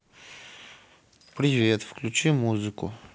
привет включи музыку